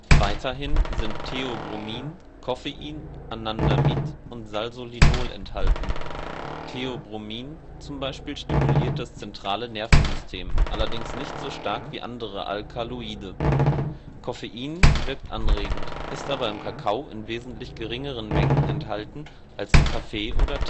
Weiterhin sind Theobromin, Coffein, Anandamid und Salsolinol enthalten. Theobromin zum Beispiel stimuliert das zentrale Nervensystem, allerdings nicht so stark wie andere Alkaloide. Koffein wirkt anregend, ist aber im Kakao in wesentlich geringeren Mengen enthalten als im Kaffee oder